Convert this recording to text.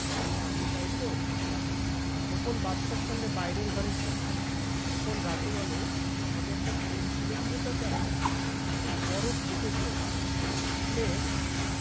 আগে আমি যাই তো খোকন বাদশার সঙ্গে বাইরের ঘরে শোয় খোকন রাতে বলে আমাকে একটা প্লেন কিনে দিবে চাচা খুব বড় দেখে প্লেন প্লেন